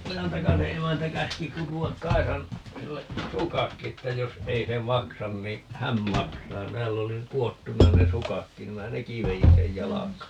Ojantakasen emäntä käski kutoa Kaisan sille sukatkin että jos ei se maksa niin hän maksaa täällä oli kudottuna ne sukatkin niin minä nekin vedin sen jalkaan